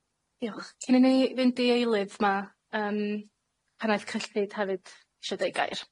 Diolch cyn i ni fynd i eilydd ma' yym pan aeth cyllid hefyd isio deud gair.